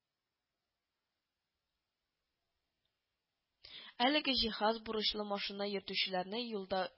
Әлеге җиһаз бурычлы машина йөртүчеләрне юлда